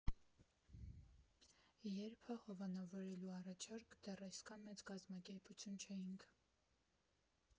Ե՞րբ»֊ը հովանավորելու առաջարկ, դեռ այսքան մեծ կազմակերպություն չէինք։